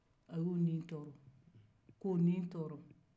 a ye u nin tɔɔrɔ k'u nin tɔɔrɔ